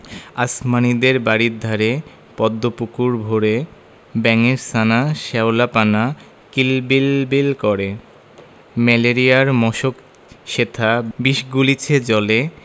আসমানীদের বাড়ির ধারে পদ্ম পুকুর ভরে ব্যাঙের ছানা শ্যাওলা পানা কিল বিল বিল করে ম্যালেরিয়ার মশক সেথা বিষ গুলিছে জলে